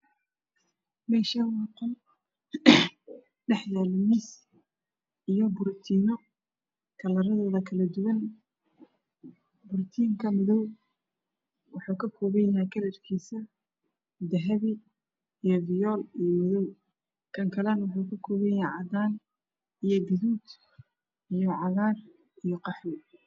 Meeshaani waa qol waxa dhex yaalo miis iyo burutiino kalaradooda kala duwan burutiinkan madow waxa uu ka kooban yahay kalarkiisa dahabi diyool iyo madow kan kalena wuxuu ka kooban yahay cadaan, gaduudiyo cagaar iyo khahwe